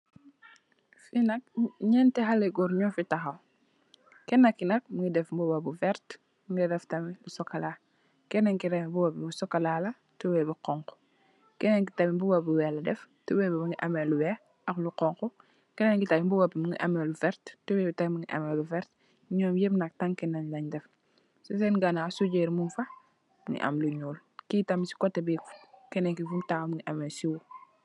Fi nak nènti haley góor nu fi tahaw. Kenna ki nak mungi def mbuba bu vert, mungi def tamit lu sokola. Kenen ki tamit mbuba bi bu sokola la tubeye bu honku. Kenen ki tamit mbuba bu weeh la def, tubeye bi mungi ameh lu weeh ak lu honku. Kenen ki tamit mbuba bi mungi ameh lu vert, tubeye bi tamit mungi ameh lu vert. Num yëp nak tanki naak leen def. Ci senn ganaaw sujèr mung fa mungi am lu ñuul. Ki tamit ci kotè bi kenen fum tahaw mungi ameh sow.